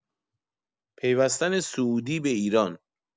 پیوستن سعودی به ایران